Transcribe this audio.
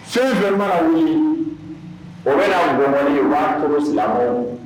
Se bɛ mara ɲini o bɛ na ŋ b'akolo silamɛ